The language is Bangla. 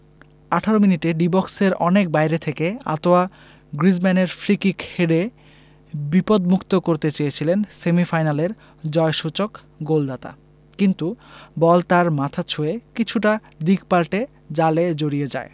১৮ মিনিটে ডি বক্সের অনেক বাইরে থেকে আঁতোয়া গ্রিজমানের ফ্রিকিক হেডে বিপদমুক্ত করতে চেয়েছিলেন সেমিফাইনালের জয়সূচক গোলদাতা কিন্তু বল তার মাথা ছুঁয়ে কিছুটা দিক পাল্টে জালে জড়িয়ে যায়